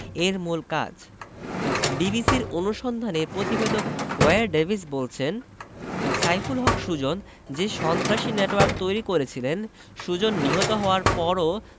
এর মূল কাজ বিবিসির অনুসন্ধানী প্রতিবেদক ওয়্যার ডেভিস বলছেন সাইফুল হক সুজন যে সন্ত্রাসী নেটওয়ার্ক তৈরি করেছিলেন সুজন নিহত হওয়ার পরও